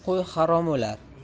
qo'y harom o'lar